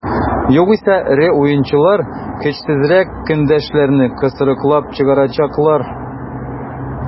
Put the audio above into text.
Югыйсә эре уенчылар көчсезрәк көндәшләрне кысрыклап чыгарачаклар.